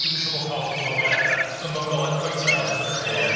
Dwi'm siŵr bod pawb yn gweld o mewn golau cweit mor heddychlon.